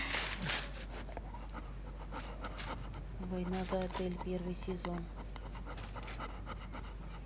война за отель первый сезон